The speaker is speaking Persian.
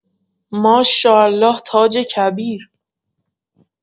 ماشالله تاج کبیر